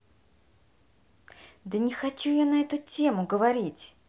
да не хочу я на эту тему говорить